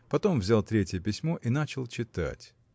потом взял третье письмо и начал читать